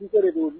Furusa de don